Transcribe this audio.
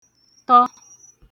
tọ